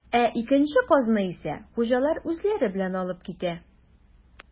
Ә икенче казны исә хуҗалар үзләре белән алып китә.